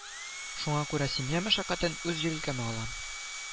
Шуңа күрә семья мәшәкатен үз җилкәмә алам